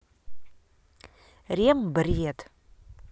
рем бред